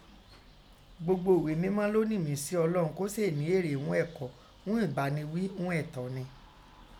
Gbogbo ìghé mẹ́mọ̀ ló ni ìmísí Ọlọun, kó sèè ní ere ún ẹ̀kọ́, ún ẹ̀bá ni ghí úun ẹ̀tọ́ni